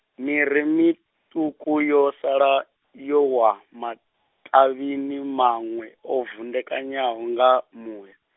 miri miṱuku yo sala, yo wa, matavhi ni manwe o vhandekanaho nga, muya.